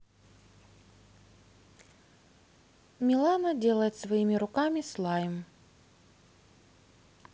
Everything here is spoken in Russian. милана делает своими руками слайм